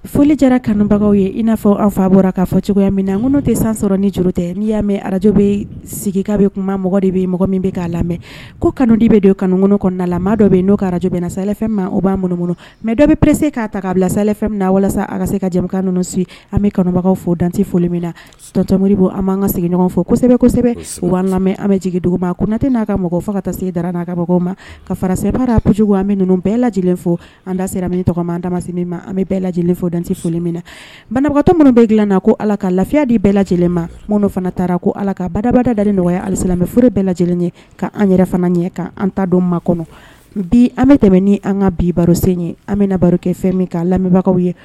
Foli jɛra kanubagaw ye i n'a fɔ aw fa bɔra k'a fɔ cogoya min na no tɛ san sɔrɔ ni juru tɛ ni y'a mɛn araj bɛ sigika bɛ kuma mɔgɔ de bɛ mɔgɔ min bɛ'a lamɛn ko kanudi bɛ don kanukɔnɔ kɔnɔna la maa dɔ bɛ yen n'o araj bɛ na safɛn ma o b'an minnu kɔnɔ mɛ dɔ bɛ pse k'a ta ka bila safɛn na walasa ase ka jamana ninnu su an bɛ kɔnɔbagaw fɔ dante foli min na tɔnon bɔ an b'an ka sigiɲɔgɔn fɔ kosɛbɛ kosɛbɛ b'an lamɛn an bɛ jigin duguma kunna na tɛna n'a ka mɔgɔ fo ka taa se dara n' kabagaw ma ka farasɛbara kojugu an bɛ ninnu bɛɛla lajɛlen fo an da siraini tɔgɔma dama se ma an bɛ bɛɛ lajɛlen fɔ dante foli min na banabagatɔ minnu bɛ dilanna ko ala ka lafiya de bɛɛ lajɛlen ma minnu fana taara ko ala ka babada da nɔgɔyaya halisamɛoro bɛɛla lajɛlen ye kaan yɛrɛ fana ɲɛ'an ta don ma kɔnɔ bi an bɛ tɛmɛ ni an ka bi barorosen ɲɛ an bɛ na barokɛ fɛn min ka lamɛnbagaw ye